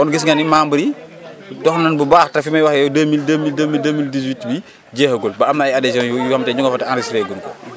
kon gis nga ni membres yi dox nañu bu baax te fi may waxee ak yow deux mille deux mille 18 bii jeexagul ba am na ay adhesion yoo yoo xam ne ñu nga fa te enregistré gu ñu ko